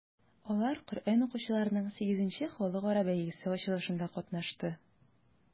Алар Коръән укучыларның VIII халыкара бәйгесе ачылышында катнашты.